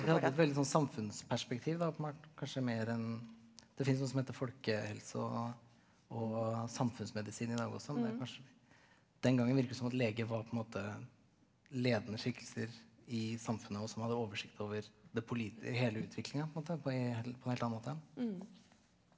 de hadde nok et veldig sånn samfunnsperspektiv da åpenbart kanskje mer enn det finnes noe som heter folkehelse og og samfunnsmedisin i dag også men det er kanskje den gangen virker det som at leger var på en måte ledende skikkelser i samfunnet og som hadde oversikt over det hele utviklinga på en måte på på en helt annen måte.